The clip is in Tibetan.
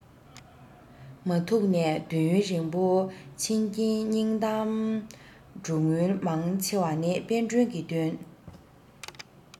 མ ཐུགས ནས དུས ཡུན རིང པོ ཕྱིན རྐྱེན སྙིང གཏམ འགྲོ དངུལ མང ཆེ བ ནི དཔལ སྒྲོན གྱི བཏོན